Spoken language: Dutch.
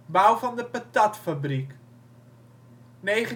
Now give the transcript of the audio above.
bouw van de patatfabriek 1994